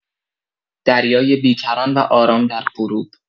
دریای بی‌کران و آرام در غروب